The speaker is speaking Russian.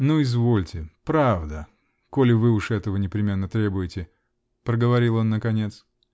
-- Ну, извольте: правда, коли вы уж этого непременно требуете, -- проговорил он наконец.